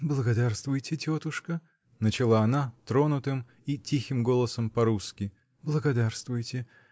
-- Благодарствуйте, тетушка, -- начала она тронутым и тихим голосом по-русски, -- благодарствуйте